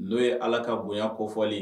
N'o ye ala ka bonya kofɔli